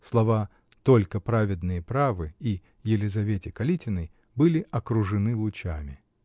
Слова: "Только праведные правы" и "Елизавете Калитиной" были окружены лучами.